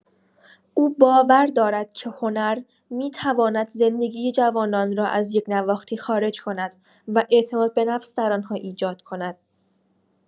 او باور دارد که هنر می‌تواند زندگی جوانان را از یکنواختی خارج کند و اعتماد به نفس در آن‌ها ایجاد کند.